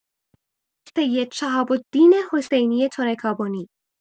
سید شهاب‌الدین حسینی تنکابنی